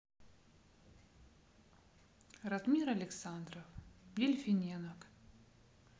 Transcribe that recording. ратмир александров дельфиненок